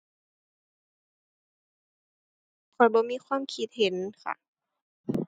ข้อยบ่มีความคิดเห็นค่ะ